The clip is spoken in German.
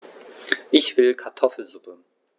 Ich will Kartoffelsuppe.